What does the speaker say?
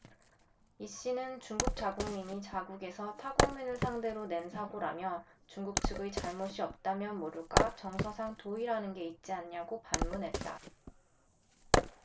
이씨는 중국 자국민이 자국에서 타국민을 상대로 낸 사고라며 중국 측의 잘못이 없다면 모를까 정서상 도의라는 게 있지 않냐고 반문했다